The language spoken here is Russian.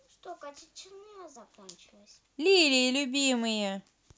лилии любимые